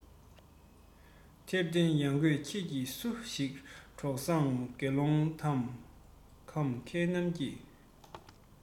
དེར བརྟེན ཡང གོས ཁྱེད ཀྱི སུ ཞིག གྲོགས བཟང དགེ སློང དག གམ མཁས རྣམས ཀྱིས